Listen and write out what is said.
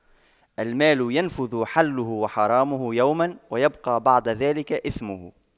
المال ينفد حله وحرامه يوماً ويبقى بعد ذلك إثمه